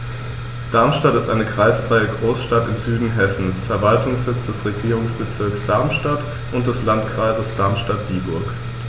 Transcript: Darmstadt ist eine kreisfreie Großstadt im Süden Hessens, Verwaltungssitz des Regierungsbezirks Darmstadt und des Landkreises Darmstadt-Dieburg.